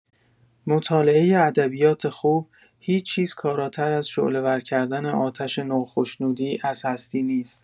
مطالعه ادبیات خوب هیچ‌چیز کاراتر از شعله‌ور کردن آتش ناخشنودی از هستی نیست.